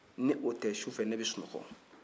ni o tɛ sufɛ ne bɛ sunɔgɔ